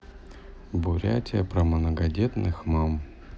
бурятия про многодетных мам